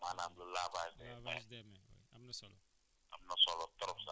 concernant li ñuy wax raxas loxo maanaam le lavage